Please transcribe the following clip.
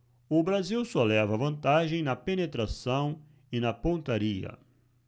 o brasil só leva vantagem na penetração e na pontaria